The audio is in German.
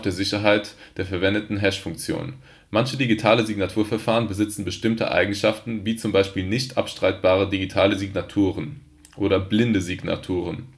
Sicherheit der verwendeten Hashfunktion. Manche digitale Signaturverfahren besitzen bestimmte Eigenschaften, wie z. B. nicht-abstreitbare digitale Signaturen (undeniable signatures) oder blinde Signaturen